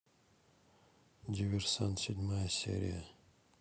диверсант седьмая серия